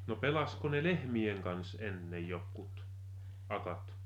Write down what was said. no pelasiko ne lehmien kanssa ennen jotkut akat